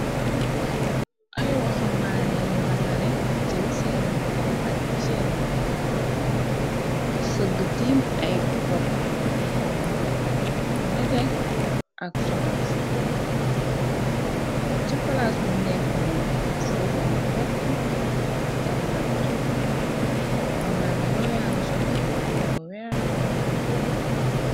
Ay waxambaane yu rangale jël seeni loxo aaj ci seeni boppu, sëgg tiim ay kopp yu xam nete ak sorang, ca palaas bu nekk moon fuufa nga wert ta, naat waxambaane yooyaanga sol ay tubey yoo weex ak mbubu yu bula.